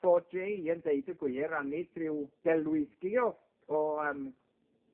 bo' Jay yn deud y gwir a nid ryw gelwyddgi o o yym